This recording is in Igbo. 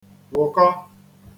-wụ̀kọ